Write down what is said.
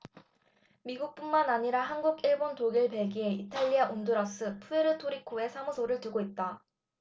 미국뿐만 아니라 한국 일본 독일 벨기에 이탈리아 온두라스 푸에르토리코에 사무소를 두고 있다